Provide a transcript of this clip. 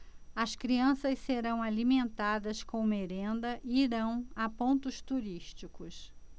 as crianças serão alimentadas com merenda e irão a pontos turísticos